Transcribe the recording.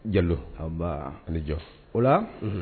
Jalo ni jɔ o la